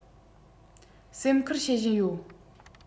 སེམས ཁུར བྱེད བཞིན ཡོད